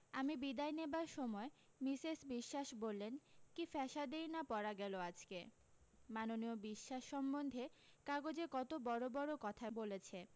আমি বিদায় নেবার সময় মিসেস বিশ্বাস বললেন কী ফ্যাসাদই না পড়া গেলো আজকে মাননীয় বিশ্বাস সম্বন্ধে কাগজে কত বড় বড় কথা বলেছে